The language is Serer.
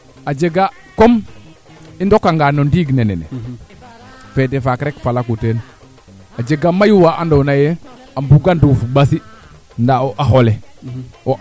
manaam a leye anacim ten refu mbine ando naye tena saytuwa no walu ndiing ne te ref climat fee te ref a teɓake yiin keene yiin na leyaano xatoog no jamono ke yaaga